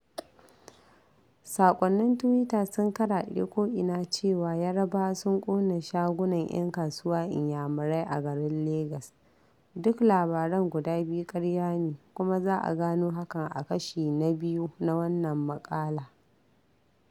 Saƙonnin tuwita sun karaɗe ko'ina cewa Yarabawa sun ƙona shagunan 'yan kasuwa Inyamirai a garin Legas. Duk labaran guda biyu ƙarya ne kuma za a gano hakan a Kashi na II na wannan maƙala.